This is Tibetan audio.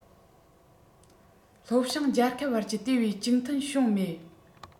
ལྷོ བྱང རྒྱལ ཁབ བར གྱི དེ བས གཅིག མཐུན བྱུང མེད